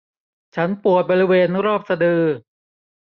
ฉันปวดบริเวณรอบสะดือ